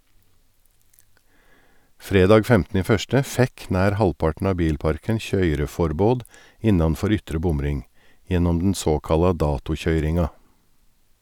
Fredag 15.1 fekk nær halvparten av bilparken køyreforbod innanfor ytre bomring, gjennom den såkalla datokøyringa.